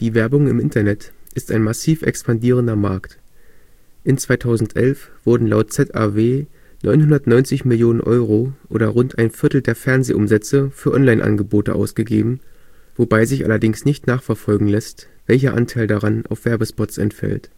Werbung im Internet ist ein massiv expandierender Markt. In 2011 wurden laut ZAW €990 Millionen oder rund ein Viertel der Fernsehumsätze für „ Online-Angebote “ausgegeben, wobei sich allerdings nicht nachverfolgen lässt welcher Anteil daran auf Werbespots entfällt